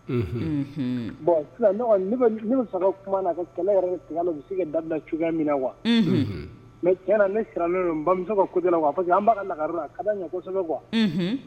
Bɔn sisan saga kɛlɛ yɛrɛ se ka da cogoya min na wa mɛ cɛ na ne siranlenmusosa ko an kala ka ɲɛsɛbɛ